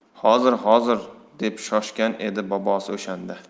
hozir hozir deb shoshgan edi bobosi o'shanda